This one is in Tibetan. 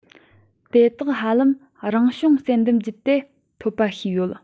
དེ དག ཧ ལམ རང བྱུང བསལ འདེམས བརྒྱུད དེ ཐོབ པ ཤེས ཡོད